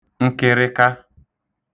nkịrịka